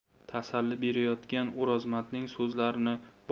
tasalli berayotgan o'rozmatning so'zlarini